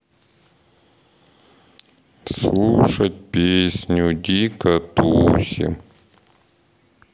слушать песню дико тусим